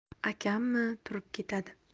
akammi turib ketadi